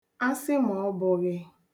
asịmàọbụ̄ghị